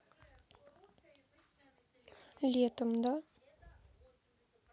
летом да